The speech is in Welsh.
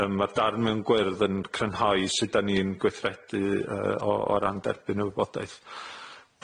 Yym ma'r darn mewn gwyrdd yn crynhoi sut 'dan ni'n gweithredu yy o o ran derbyn y wybodaeth.